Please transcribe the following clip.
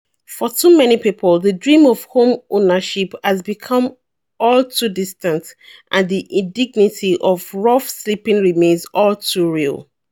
For too many people the dream of home ownership has become all too distant, and the indignity of rough sleeping remains all too real."